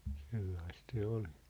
sellaista se oli